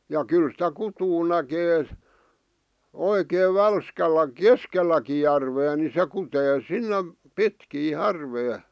ja kyllä sitä kutua näkee oikein välskällä keskelläkin järveä niin se kutee sinne pitkin järveä